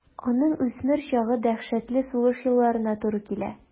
Аның үсмер чагы дәһшәтле сугыш елларына туры килә.